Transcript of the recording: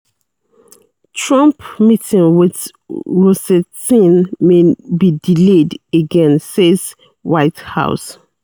Trump meeting with Rosenstein may be delayed again, says White House